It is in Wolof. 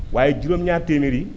waaye juróom ñaar téeméer yi